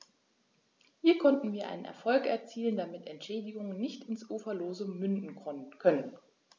Hier konnten wir einen Erfolg erzielen, damit Entschädigungen nicht ins Uferlose münden können.